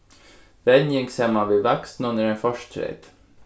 venjing saman við vaksnum er ein fortreyt